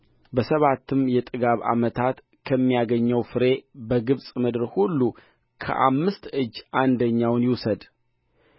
በሰባቱም የጥጋብ ዓመታት ከሚገኘው ፍሬ በግብፅ ምድር ሁሉ ከአምስት እጅ አንደኛውን ይውሰድ